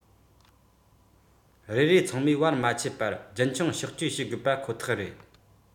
རེ རེ ཚང མས བར མ ཆད པར རྒྱུན འཁྱོངས གཤགས བཅོས བྱེད དགོས པ ཁོ ཐག རེད